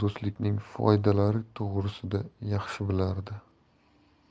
do'stlikning foydalari to'g'risida yaxshi bilardi